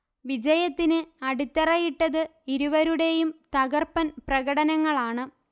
വിജയത്തിന്ന് അടിത്തറയിട്ടത് ഇരുവരുടേയും തകർപ്പൻപ്രകടനങ്ങളാണ്